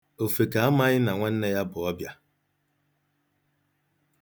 Ofeke amaghị na nwanne ya bụ ọbịa.